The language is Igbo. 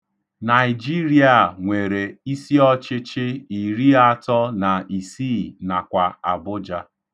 Naịjiria nwere isọchịchị iri atọ na isii nakwa Abụja.